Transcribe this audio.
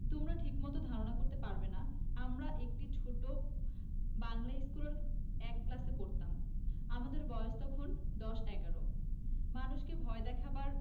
তোমরা ঠিকমত ধারণা করতে পারবে না আমরা একটি ছোট বাঙলা ইস্কুলের এক ক্লাসে পড়তাম আমাদের বয়স তখন দশ এগারো মানুষকে ভয় দেখাবার